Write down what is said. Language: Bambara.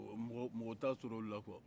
ɔ mɔgɔ-mɔgɔ t'a sɔrɔ o la kuwa